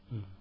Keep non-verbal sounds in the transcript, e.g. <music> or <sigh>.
<hesitation> <hesitation>